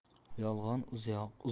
yolg'on uzoqqa ketsa